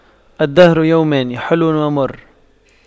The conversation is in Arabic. الدهر يومان حلو ومر